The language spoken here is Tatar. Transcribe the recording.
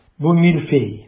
Бу мильфей.